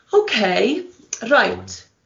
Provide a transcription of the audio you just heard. okay, right.